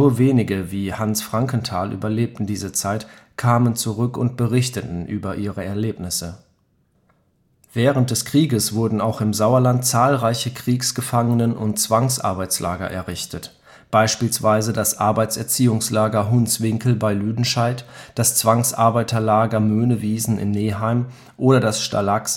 wenige wie Hans Frankenthal überlebten diese Zeit, kamen zurück und berichteten über ihre Erlebnisse. Während des Krieges wurden auch im Sauerland zahlreiche Kriegsgefangenen - und Zwangsarbeitslager (beispielsweise das Arbeitserziehungslager Hunswinkel bei Lüdenscheid, das Zwangsarbeiterlager Möhnewiesen in Neheim oder das Stalag